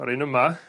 Ma'r un yma